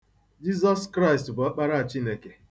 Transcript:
Jizọs Kraịst bụ ọkpara Chineke.